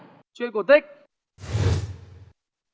truyện cổ tích